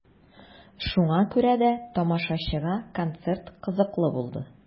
Шуңа күрә дә тамашачыга концерт кызыклы булды.